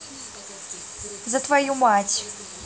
за твою мать